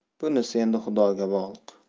bunisi endi xudoga bog'liq